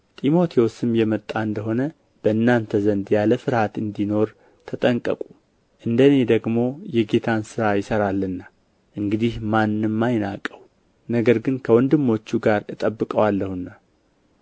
ጢሞቴዎስም የመጣ እንደ ሆነ በእናንተ ዘንድ ያለ ፍርሃት እንዲኖር ተጠንቀቁ እንደ እኔ ደግሞ የጌታን ሥራ ይሠራልና እንግዲህ ማንም አይናቀው ነገር ግን ከወንድሞቹ ጋር እጠብቀዋለሁና